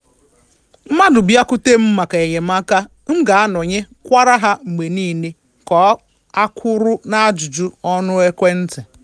Mmadụ bịakute m maka enyemaaka, m ga-anọnye kwara ha mgbe niile, ka o kwuru n'ajụjụ ọnụ ekwentị.